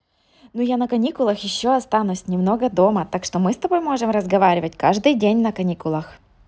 ну я на каникулах еще останусь немного дома так что мы с тобой можем разговаривать каждый день на каникулах